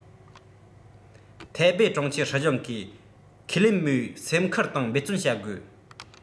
ཐའེ པེ གྲོང ཁྱེར སྲིད གཞུང གིས ཁས ལེན མོའི སེམས ཁུར དང འབད བརྩོན བྱ དགོས